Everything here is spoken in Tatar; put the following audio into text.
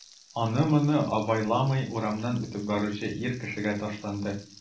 Аны-моны абайламый урамнан үтеп баручы ир кешегә ташланды...